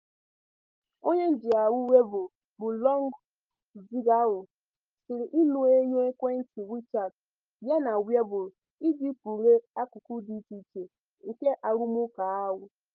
Onye njiarụ Weibo bụ́ Long Zhigao sere ihuenyo ekwentị WeChat ya na Weibo iji kpughee akụkụ dị icheiche nke arụmụka ahụ.